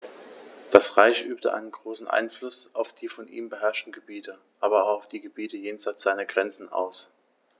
Das Reich übte einen großen Einfluss auf die von ihm beherrschten Gebiete, aber auch auf die Gebiete jenseits seiner Grenzen aus.